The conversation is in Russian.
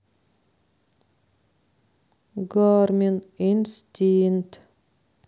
гармин инстинкт